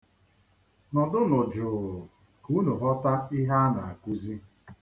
Nọdụnụ jụụ ka unu ghọta ihe a na-akụzi.